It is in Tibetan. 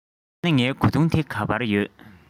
འོ ན ངའི གོས ཐུང དེ ག པར ཡོད